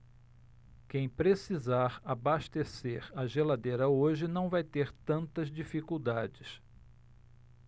quem precisar abastecer a geladeira hoje não vai ter tantas dificuldades